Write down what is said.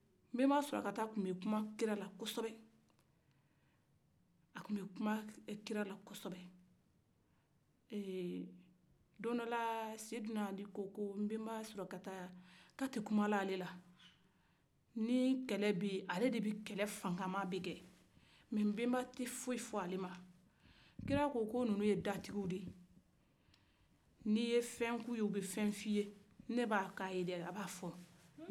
nbenba sulakata kun bɛ kuma kira la kɔsɔ bɛ a kun bɛ kuma kira la kɔsɔ bɛ don dɔla seidina ali ko nbenba sulakata a tɛ kula ale la ni kɛlɛ ben ale de bɛ kɛlɛ fangama bɛ kɛ ko nbenba tɛ foyi fɔ ale ma kira ko nunu ye datigi de ye ni ye fen ku ye u bɛ fen fi ye ne b'a ka ye dɛ a b'a fɔ